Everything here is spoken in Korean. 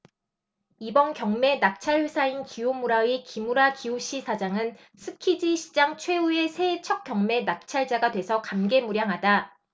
이번 경매 낙찰 회사인 기요무라의 기무라 기요시 사장은 쓰키지시장 최후의 새해 첫경매 낙찰자가 돼서 감개무량하다